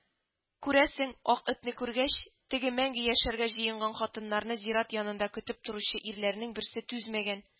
Күрәсең, ак этне күргәч, теге мәңге яшәргә җыенган хатыннарны зират янында көтеп торучы ирләрнең берсе түзмәгән